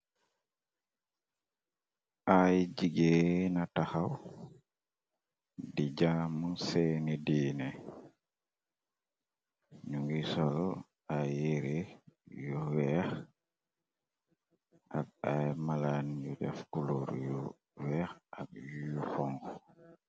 ay jigée na taxaw di jaamu seeni diine ñu ngi sol ay yere yu weex ak ay malaan yu def kulóor yu weex ak yu pong